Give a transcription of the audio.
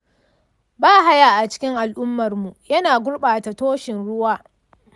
bahaya a cikin al’ummarmu yana gurɓata tushen ruwa.